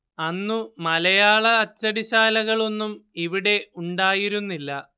അന്നു മലയാള അച്ചടിശാലകളൊന്നും ഇവിടെ ഉണ്ടായിരുന്നില്ല